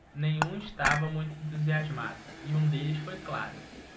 nenhum estava muito entusiasmado e um deles foi claro